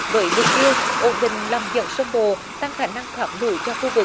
với mục tiêu ổn định lòng dẫn sông bồ tăng khả năng thoát lũ cho khu vực